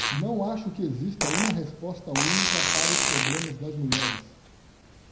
não acho que exista uma resposta única para os problemas das mulheres